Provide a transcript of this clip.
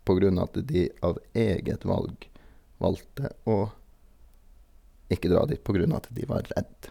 På grunn av at de av eget valg valgte å ikke dra dit, på grunn av at de var redd.